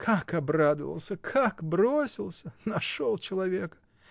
— Как обрадовался, как бросился! Нашел человека!